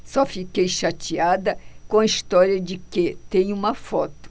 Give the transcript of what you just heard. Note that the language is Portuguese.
só fiquei chateada com a história de que tem uma foto